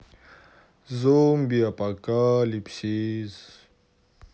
зомби апокалипсис